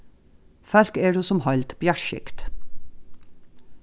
fólk eru sum heild bjartskygd